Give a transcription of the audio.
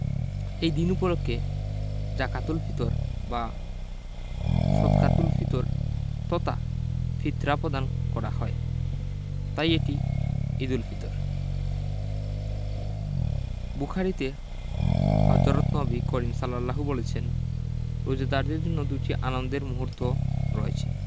এই দিন উপলক্ষে জাকাতুল ফিতর বা সদকাতুল ফিতর তথা ফিতরা পদান করা হয় তাই এটি ঈদুল ফিতর বুখারিতে হজরত নবী করিম সা বলেছেন রোজাদারের জন্য দুটি আনন্দের মুহূর্ত রয়েছে